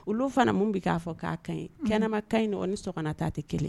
Olu fana min bɛ k'a fɔ k' ka ɲi kɛnɛma ka ɲi o ni sɔn ka taa tɛ kelen